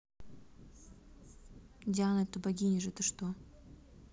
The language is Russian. диана это богиня же ты что